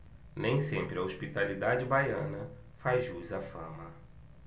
nem sempre a hospitalidade baiana faz jus à fama